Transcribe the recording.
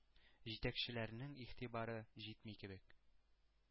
Җитәкчеләрнең игътибары җитми кебек.